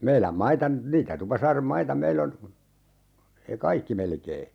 meidän maita niitä Tupasaaren maita meillä on kaikki melkein